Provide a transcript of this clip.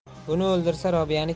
buni o'ldirsa robiyani